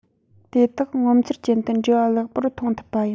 དེ དག ངོ མཚར ཅན དུ འདྲེས པ ལེགས པོར མཐོང ཐུབ པ ཡིན